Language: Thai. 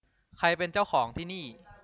ใครเป็นเจ้าของที่นี่